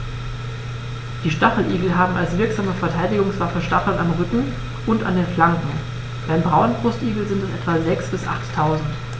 Die Stacheligel haben als wirksame Verteidigungswaffe Stacheln am Rücken und an den Flanken (beim Braunbrustigel sind es etwa sechs- bis achttausend).